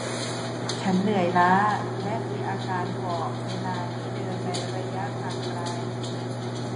ฉันเหนื่อยล้าและมีอาการหอบเวลาที่เดินในระยะทางไกล